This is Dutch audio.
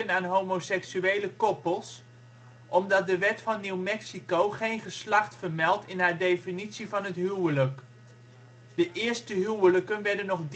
aan homoseksuele koppels, omdat de wet van New Mexico geen geslacht vermeldt in haar definitie van het huwelijk. De eerste huwelijken werden nog